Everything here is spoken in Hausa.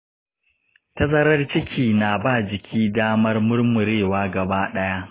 tazarar ciki na ba jiki damar murmurewa gaba ɗaya.